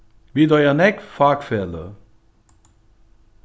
vit eiga nógv fakfeløg